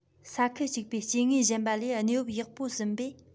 ས ཁུལ གཅིག པའི སྐྱེ དངོས གཞན པ ལས གནས བབ ཡག པོ ཟིན པས